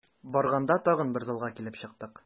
Барганда тагын бер залга килеп чыктык.